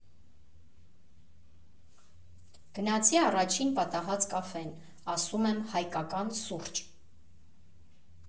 Գնացի առաջին պատահած կաֆեն, ասում եմ՝ հայկական սուրճ։